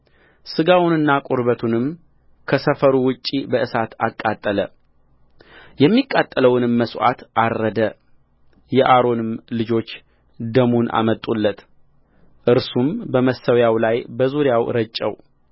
ሥጋውንና ቁርበቱንም ከሰፈሩ ውጭ በእሳት አቃጠለየሚቃጠለውንም መሥዋዕት አረደ የአሮንም ልጆች ደሙን አመጡለት እርሱም በመሠዊያው ላይ በዙሪያው ረጨው